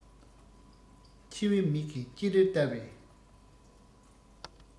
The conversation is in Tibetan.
འཆི བའི མིག གིས ཅེ རེར བལྟ བའི